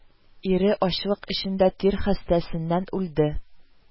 Ире ачлык эчендә тир хәстәсеннән үлде